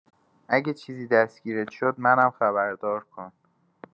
اگه چیزی دستگیرت شد، منم خبردار کن.